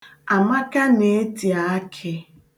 Amaka na-eti akị.